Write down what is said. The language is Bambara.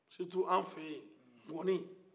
siritu an fɛ ye ngoni